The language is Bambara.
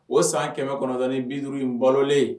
O san kɛmɛ kɔnɔnsan biuru in balolen